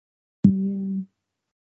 Hmm.